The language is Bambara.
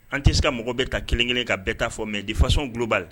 An tɛ se ka mɔgɔ bɛɛ ka kelenkelen ka bɛɛ t taaa fɔ mɛ difasɔnon tulobaa la